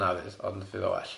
Nafydd ond fydd o'n well.